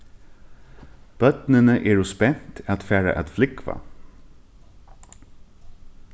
børnini eru spent at fara at flúgva